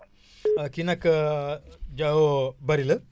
kii nag Diao Barry la